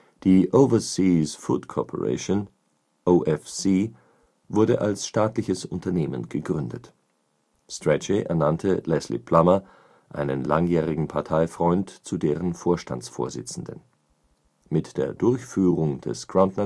Die Overseas Food Corporation (OFC) wurde als staatliches Unternehmen gegründet. Strachey ernannte Leslie Plummer, einen langjährigen Parteifreund, zu deren Vorstandsvorsitzenden. Mit der Durchführung des Groundnut